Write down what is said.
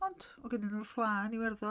Ond o' gynna nhw'r fleadh yn Iwerddon.